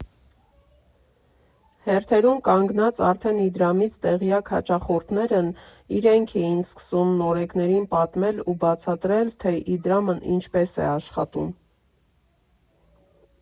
Հերթերում կանգնած արդեն Իդրամից տեղյակ հաճախորդներն իրենք էին սկսում նորեկներին պատմել ու բացատրել, թե Իդրամն ինչպես է աշխատում։